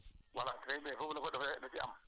loolu yëpp boo ko déggee ndees li bëri na ndees li bëri na